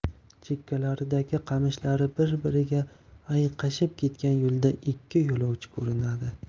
chekkalaridagi qamishlar bir biriga ayqashib ketgan yo'lda ikki yo'lovchi ko'rinadi